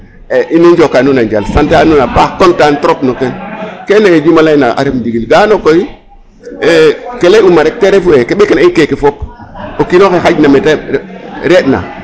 In way Nnjookaa nuuna njal sante'a nuun a paax content trop no kene kene Diouma layna a ref ndigil ga'ano koy ke lay'uma rek ten refu yee ke ɓek'ina in keke o kiin oxe xaƴna me ta re'na.